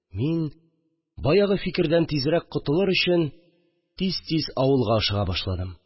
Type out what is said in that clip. Мин, баягы фикердән тизрәк котылыр өчен, тиз-тиз авылга ашыга башладым